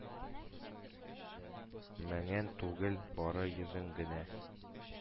Меңен түгел, бары йөзен генә